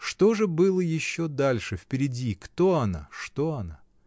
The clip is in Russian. Что же было еще дальше, впереди: кто она, что она?